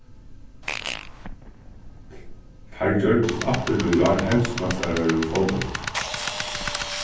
teir gjørdust aftur í ár heimsmeistarar í fótbólti